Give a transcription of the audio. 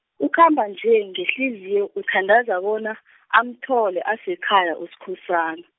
ukhamba nje ngehliziyo uthandaza bona , amthole asekhaya Uskhosana.